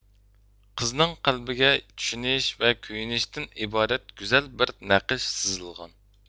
قىزنىڭ قەلبىگە چۈشىنىش ۋە كۆيۈنۈشتىن ئىبارەت گۈزەل بىر نەقىش سىزىلغان